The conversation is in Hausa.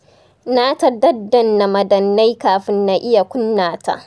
Na ta daddanna madannai kafin na iya kunna ta.